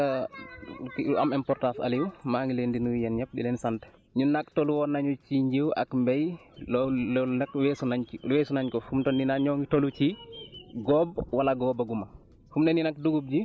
waaw wax nga lu am importance Aliou maa ngi leen di nuyu yéen ñëpp di leen sant ñun nag toll woon nañu si njiw ak mbéy loolu loolu nag weesu nañ ci weesu nañ ko fu mu toll nii nag ñoo ngi toll ci góob wala góobaguma